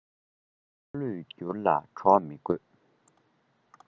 འཁོར ལོས བསྒྱུར ལ གྲོགས མི དགོས